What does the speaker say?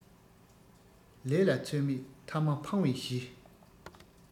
ལས ལ ཚོད མེད ཐ མ ཕང བའི གཞི